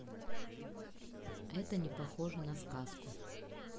это не похоже на сказку